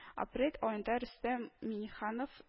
Апрель аенда Рөстәм Миңнеханов